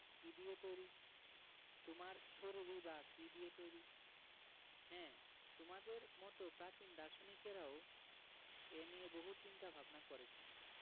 কী দিয়ে তৈরি তোমার শরীরই বা কী দিয়ে তৈরি হ্যাঁ তোমাদের মতো প্রাচীন দার্শনিকেরাও এ নিয়ে বহু চিন্তা ভাবনা করেছেন